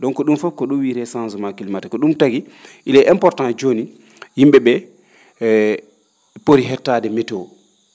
donc ?um fof ko ?um wiree changement climatique o ko ?um taki il est important jooni yim?e ?e e pori hettaade météo